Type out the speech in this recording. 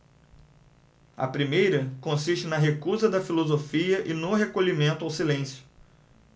a primeira consiste na recusa da filosofia e no recolhimento ao silêncio